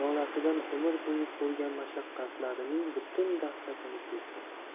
bo'yi ko'rgan mashaqqatlarining butun dahshatini sezdi